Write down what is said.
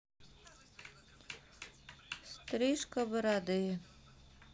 стрижка бороды